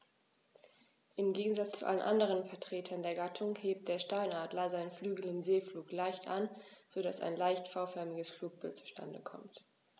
Im Gegensatz zu allen anderen Vertretern der Gattung hebt der Steinadler seine Flügel im Segelflug leicht an, so dass ein leicht V-förmiges Flugbild zustande kommt.